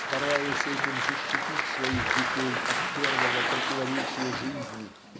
стараясь этим защитить своих детей от первого противоречия жизни